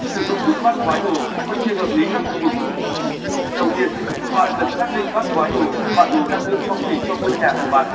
sử dụng đúng bát quái đồ phân chia hợp lý các khu vực đầu tiên bạn cần xác định bát quái đồ bản đồ năng lượng phong thủy cho ngôi nhà của bạn